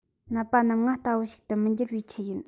ནད པ རྣམས ང ལྟ བུ ཞིག ཏུ མི འགྱུར བའི ཆེད ཡིན